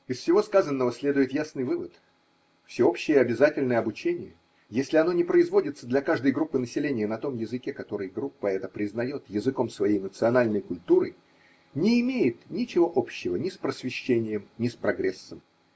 Из всего сказанного следует ясный вывод: всеобщее обязательное обучение, если оно не производится для каждой группы населения на том языке, который группа эта признает языком своей национальной культуры, не имеет ничего общего ни с просвещением, ни с прогрессом.